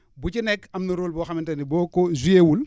bu ci nekk am na rôle boo xamante ne boo ko joué wul